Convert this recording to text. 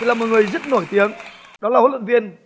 là một người rất nổi tiếng đó là huấn luyện viên